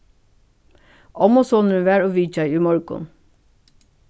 ommusonurin var og vitjaði í morgun